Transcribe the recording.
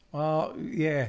O ie.